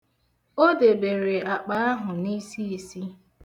O debere akpa ahụ n'isiisi.